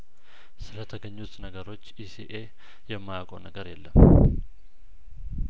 ስለተገኙት ነገሮች ኢሲኤ የማያውቀው ነገር የለም